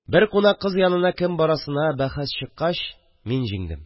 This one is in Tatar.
Бер кунак кыз янына кем барасына бәхәс чыккач, мин җиңдем